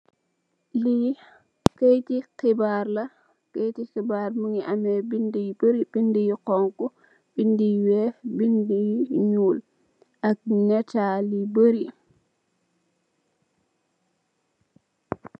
Li kaiti khibarla, kaitii khibarr bi, mungii ame bindi yu bari, bindi yuweex, khonhu bindi nyul, ak natali bari.